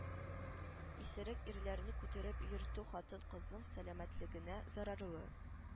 Исерек ирләрне күтәреп йөртү хатын-кызның сәламәтлегенә зарарлы